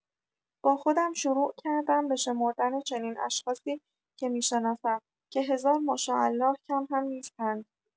با خودم شروع کردم به شمردن چنین اشخاصی که می‌شناسم که هزار ماشاالله کم هم نیستند.